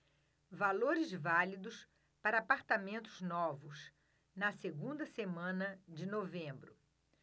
valores válidos para apartamentos novos na segunda semana de novembro